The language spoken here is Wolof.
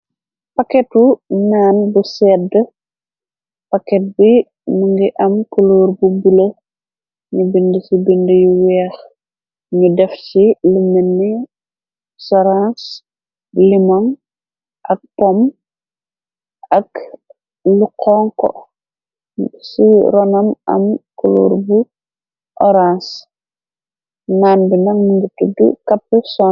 Paketu naan bu sedde paket bi mëngi am kuluur bu bule ñu bind ci bind yu weex ñu def ci lumelne sarans limung ak pom ak lu xonko ci ronam am kuluur bu orance naan bi nak mëngi tudu kapp son.